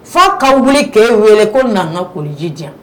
Fa kabili kɛ wele ko nana kululiji diya